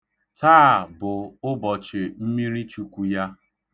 Taa bụ ụbọchị mmirichukwu ya.